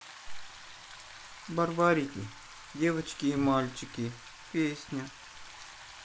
барбарики девочки и мальчики песня